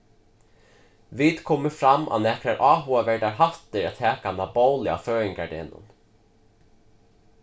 vit komu fram á nakrar áhugaverdar hættir at taka hana á bóli á føðingardegnum